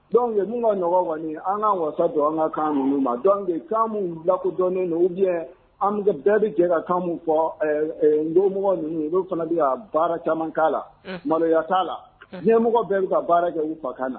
Dɔnku ka ɲɔgɔn an ka wasa don an ka kan ninnu ma dɔn bilakodɔnnen an bɛ bɛɛ bɛ jɛ ka kan fɔ n donmɔgɔ ninnu u fana bɛ baara caman k' la maloya k' lamɔgɔ bɛɛ bɛ ka baara kɛ uu fakan na